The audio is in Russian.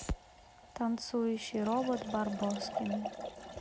танцующий робот барбоскины